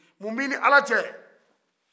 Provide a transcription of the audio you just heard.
mun bɛ i ni ala cɛ